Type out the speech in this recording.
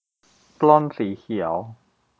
ปล้นสีเขียว